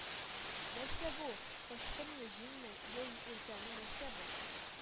Нәрсә бу? Качкынмы, җенме? Йә өрәкме, нәрсә бу?